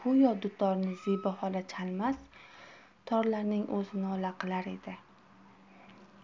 go'yo dutorni zebi xola chalmas torlarning o'zi nola qilar edi